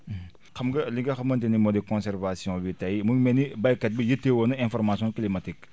xam nga li nga xamante ni moo di conservation bi tey mu ngi mel ni baykat bi yittewoo na information climatique